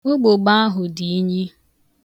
Ụgbụgba ahụ dị inyị.